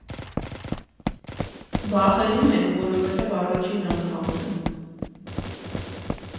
Վախենում ենք, որովհետև առաջին անգամն է։